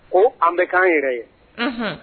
Ko an bɛ k'an yɛrɛ ye anhan